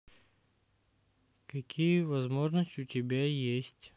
какие возможности у тебя есть